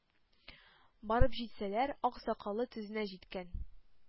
Барып җитсәләр, ак сакалы тезенә җиткән,